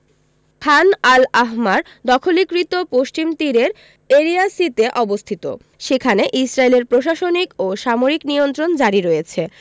খান al Ahmar দখলীকৃত পশ্চিম তীরের এরিয়া সি তে অবস্থিত সেখানে ইসরাইলের প্রশাসনিক ও সামরিক নিয়ন্ত্রণ জারি রয়েছে